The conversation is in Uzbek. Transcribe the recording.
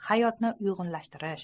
hayotni uygunlashtirish